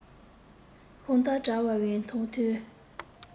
ཤོང ཐབས བྲལ བའི མཐོང ཐོས